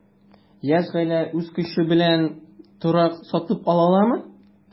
Яшь гаилә үз көче белән генә торак сатып ала аламы?